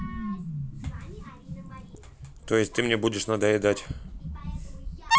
то есть ты мне будешь надоедать